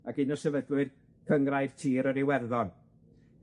ac un o sefydlwyr Cyngrair Tir yr Iwerddon.